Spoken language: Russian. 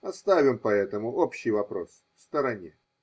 Оставим поэтому общий вопрос в стороне.